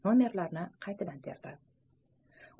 nomerlarni qaytadan terdi